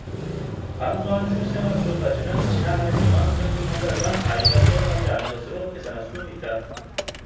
감소한 출생아 수로 따지면 지난 한 해 동안 평균 한 달간 아이가 태어나지 않은 것으로 계산할 수 있다